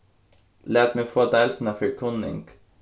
lat meg fáa deildina fyri kunning